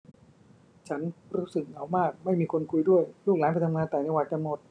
ฉันรู้สึกเหงามากไม่มีคนคุยด้วยลูกหลานไปทำงานต่างจังหวัดกันหมด